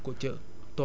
bu déwénee